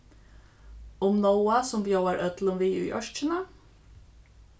um nóa sum bjóðar øllum við í ørkina